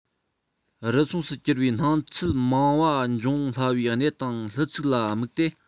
རུལ སུངས སུ འགྱུར བའི སྣང ཚུལ མང བ འབྱུང སླ བའི གནས དང ལྷུ ཚིགས ལ དམིགས ཏེ